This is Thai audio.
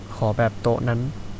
ขอแบบโต๊ะนั้น